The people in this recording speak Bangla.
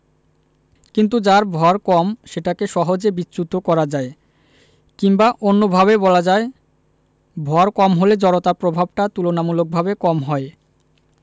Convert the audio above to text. কিন্তু যার ভয় কম সেটাকে সহজে বিচ্যুত করা যায় কিংবা অন্যভাবে বলা যায় ভর কম হলে জড়তার প্রভাবটা তুলনামূলকভাবে কম হয়